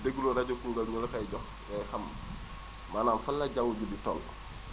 déglu rajo Koungheul ñu la koy jox ngay xam maanaam fan la jaww ji di toll